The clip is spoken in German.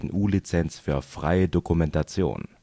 GNU Lizenz für freie Dokumentation